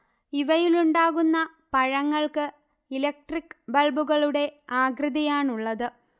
ഇവയിലുണ്ടാകുന്ന പഴങ്ങൾക്ക് ഇലക്ട്രിക് ബൾബുകളുടെ ആകൃതിയാണുള്ളത്